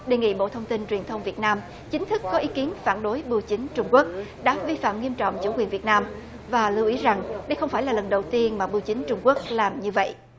đề nghị bộ thông tin truyền thông việt nam chính thức có ý kiến phản đối bưu chính trung quốc đã vi phạm nghiêm trọng chủ quyền việt nam và lưu ý rằng đây không phải là lần đầu tiên mà bưu chính trung quốc làm như vậy